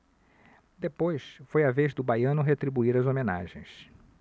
depois foi a vez do baiano retribuir as homenagens